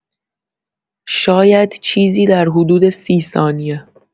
شاید چیزی در حدود سی ثانیه!